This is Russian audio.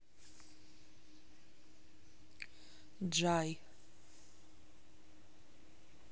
джай